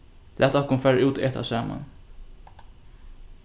latið okkum fara út at eta saman